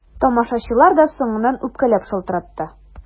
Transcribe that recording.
Тамашачылар да соңыннан үпкәләп шалтыратты.